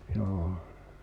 joo